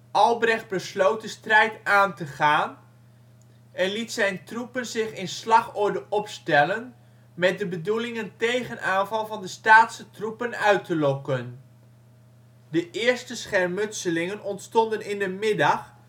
Albrecht besloot de strijd aan te gaan en liet zijn troepen zich in slagorde opstellen met de bedoeling een tegenaanval van de Staatse troepen uit te lokken. De eerste schermutselingen ontstonden in de middag